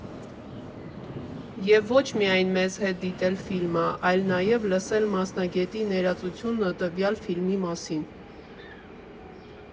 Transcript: Եվ ոչ միայն մեզ հետ դիտել ֆիլմը, այլ նաև լսել մասնագետի ներածությունը տվյալ ֆիլմի մասին։